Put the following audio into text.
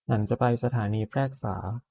ฉันจะไปสถานีแพรกษา